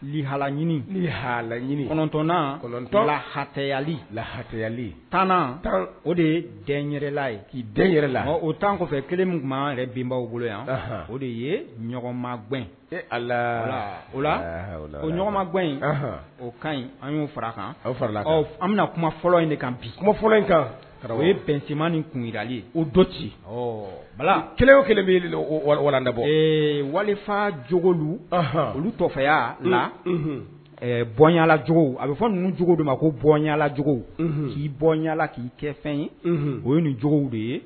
Hala haaala kɔnɔnt la hayali lahayali tan o de ye yɛrɛla k yɛrɛla o t kɔfɛ kelen min tun b' yɛrɛbbawaw bolo yan o de ye ɲma o la o ɲɔgɔnma gɛn in o ka ɲi an'o fara kanla an bɛna kuma fɔlɔ in de ka bi kuma fɔlɔ in kan o ye bɛn cɛmanmaninin kunlen o dɔ ci bala kelen o kɛlen bɛ walabɔ ee walifa joogogo olu tɔfɛ la bɔnyalaogo a bɛ fɔ ninnujugu de ma ko bɔnyalacogo k'i bɔnɲala k'i kɛ fɛn ye o ye ninjuguw de ye